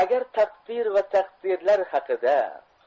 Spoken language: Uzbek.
agar taqdir va taqdirlar haqida